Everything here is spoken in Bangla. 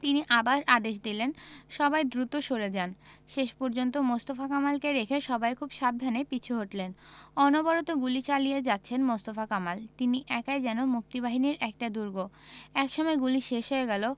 তিনি আবার আদেশ দিলেন সবাই দ্রুত সরে যান শেষ পর্যন্ত মোস্তফা কামালকে রেখে সবাই খুব সাবধানে পিছু হটলেন অনবরত গুলি চালিয়ে যাচ্ছেন মোস্তফা কামাল তিনি একাই যেন মুক্তিবাহিনীর একটা দুর্গ একসময় গুলি শেষ হয়ে গেল